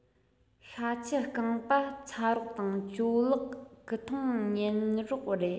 ཤ ཁྱི རྐང པ ཚ རོགས དང ཇོ ལགས སྐུ ཐང མཉེལ རོགས རེད